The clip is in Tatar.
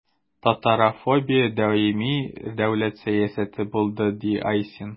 Татарофобия даими дәүләт сәясәте булды, – ди Айсин.